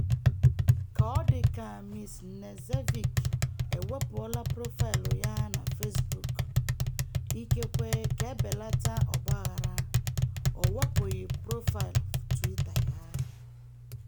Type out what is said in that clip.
Ka ọ dị ka Ms. Knežević ewepụọla profaịlụ ya na Facebook, ikekwe ka e belata ọgbaaghara, o wepụghị profaịlụ Twitter ya.